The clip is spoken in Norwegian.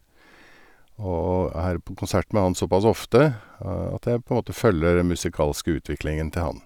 Og er på konsert med han såpass ofte at jeg på en måte følger den musikalske utviklingen til han.